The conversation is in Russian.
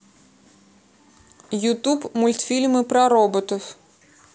ютуб мультфильмы про роботов